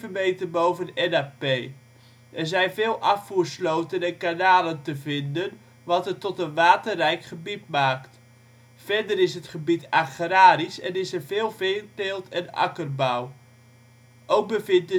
meter boven NAP. Er zijn veel afvoersloten en kanalen te vinden, wat het tot een waterrijk gebied maakt. Verder is het gebied agrarisch en is er veel veeteelt en akkerbouw. Ook bevindt